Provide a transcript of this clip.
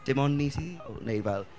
Dim ond ni sydd? Neu fel...